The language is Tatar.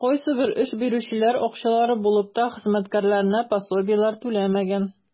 Кайсыбер эш бирүчеләр, акчалары булып та, хезмәткәрләренә пособиеләр түләмәгән.